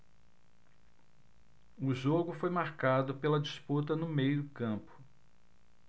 o jogo foi marcado pela disputa no meio campo